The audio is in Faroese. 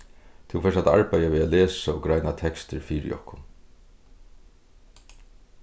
tú fert at arbeiða við at lesa og greina tekstir fyri okkum